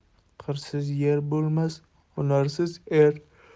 qirsiz yer bo'lmas hunarsiz er